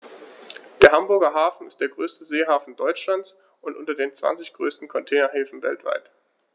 Der Hamburger Hafen ist der größte Seehafen Deutschlands und unter den zwanzig größten Containerhäfen weltweit.